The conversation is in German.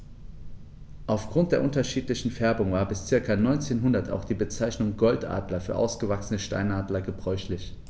Auf Grund der unterschiedlichen Färbung war bis ca. 1900 auch die Bezeichnung Goldadler für ausgewachsene Steinadler gebräuchlich.